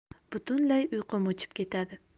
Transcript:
butunlay uyqum o'chib ketadi